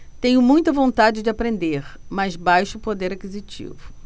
tenho muita vontade de aprender mas baixo poder aquisitivo